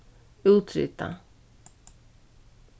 útrita